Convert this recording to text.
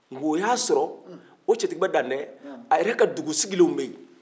o y'a sɔrɔ o tiɲɛtigiba dantɛ a yɛrɛ ka dugu sigilenw bɛ yen